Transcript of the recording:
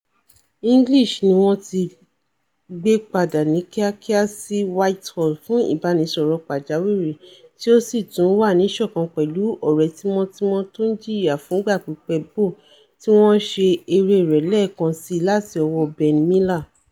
English níwọn ti gbé padà ní kíákía sí Whitehall fún ìbanisọ̀rọ̀ pàjáwìrì tí ó sì túnwà níṣọ̀kan pẹ̀lú ọ̀rẹ́ tímọ́tímọ́ tóńjìyà fúngbà pípẹ́ Bough, tí wọn ṣe eré rẹ̵̀ lẹ́ẹ́kan síi láti ọwọ́ Ben Miller.